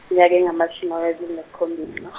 minyaka eng' amashumi amabili nesikhombisa.